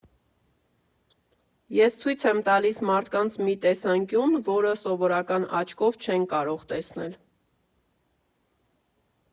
Ես ցույց եմ տալիս մարդկանց մի տեսանկյուն, որը սովորական աչքով չեն կարող տեսնել։